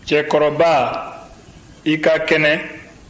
cɛkɔrɔba i ka kɛnɛ